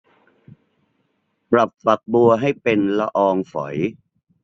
ปรับฝักบัวให้เป็นละอองฝอย